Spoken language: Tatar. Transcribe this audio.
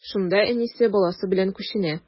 Шунда әнисе, баласы белән күченә.